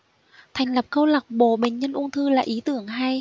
thành lập câu lạc bộ bệnh nhân ung thư là ý tưởng hay